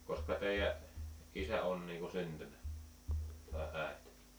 koska teidän isä on niin kuin syntynyt tai äiti